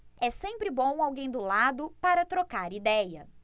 é sempre bom alguém do lado para trocar idéia